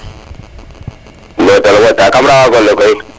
kam raxwa gonle koy